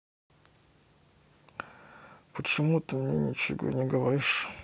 почему ты мне ничего не говоришь